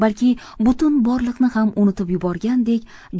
balki butun borliqni ham unutib yuborgandek